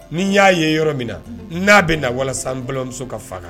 Ni y'a ye yɔrɔ min na n'a bɛ na walasa balimamuso ka faga